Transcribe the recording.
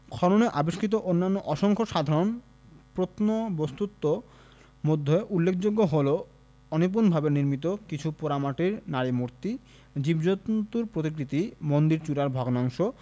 খননে আবিষ্কৃত অন্যান্য অসংখ্য সাধারণ প্রত্নবস্ত্তর মধ্যে উল্লেখযোগ্য হলো অনিপুণভাবে নির্মিত কিছু পোড়ামাটির নারীমূর্তি জীবজন্তুর প্রতিকৃতি মন্দির চূড়ার ভগ্নাংশ